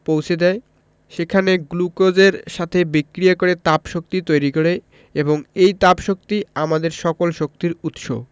পৌছে দেয় সেখানে গ্লুকোজের সাথে বিক্রিয়া করে তাপশক্তি তৈরি করে এবং এই তাপশক্তি আমাদের সকল শক্তির উৎস